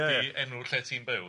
ydi enw lle ti'n byw de.